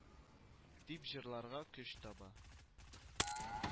Дип җырларга көч таба